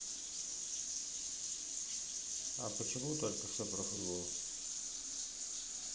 а почему только все про футбол